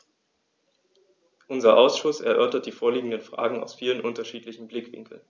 Unser Ausschuss erörtert die vorliegenden Fragen aus vielen unterschiedlichen Blickwinkeln.